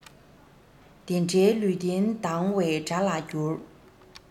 དེ འདྲའི ལུས རྟེན སྡང བའི དགྲ ལ འགྱུར